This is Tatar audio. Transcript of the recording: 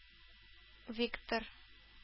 Виктор